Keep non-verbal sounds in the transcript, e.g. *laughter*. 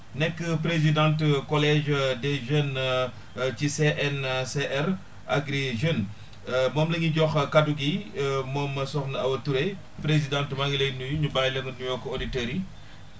nekk présidente collège des jeunes *hesitation* ci CNCR Agri Jeunes *hesitation* moom la ñuy jox kàddu gi *hesitation* moom Sokhna Awa Touré présidente maa ngi lay nuyu ñu bàyyi la nga nuyoog auditeurs yi